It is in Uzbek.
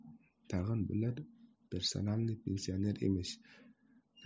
tag'in bular persanalniy pensaner emish